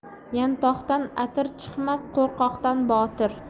yantoqdan atir chiqmas qo'rqoqdan botir